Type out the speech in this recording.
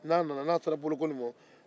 n'a nana n'a sera bolokoli ma